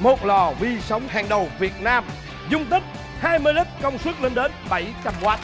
một lò vi sóng hàng đầu việt nam dung tích hai mươi lít công suất lên đến bảy trầm oắt